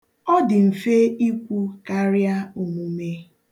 Ọ dị mfe ikwu karịa omume.